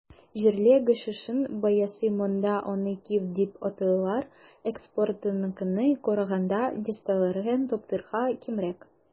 Җирле гашишның бәясе - монда аны "киф" дип атыйлар - экспортныкына караганда дистәләгән тапкырга кимрәк.